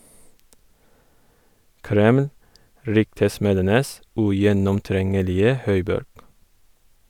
Kreml - ryktesmedenes ugjennomtrengelige høyborg.